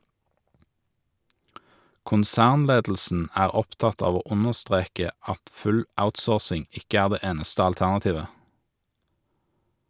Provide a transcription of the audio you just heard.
Konsernledelsen er opptatt av å understreke at full outsourcing ikke er det eneste alternativet.